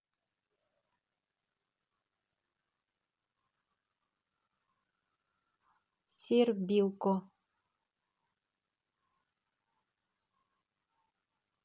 sir билко